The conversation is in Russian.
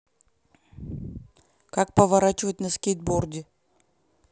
как поворачивать на скейтборде